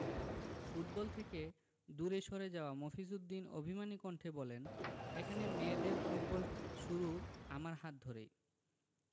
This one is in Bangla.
ফুটবল থেকে দূরে সরে যাওয়া মফিজ উদ্দিন অভিমানী কণ্ঠে বললেন এখানে মেয়েদের ফুটবল শুরু আমার হাত ধরেই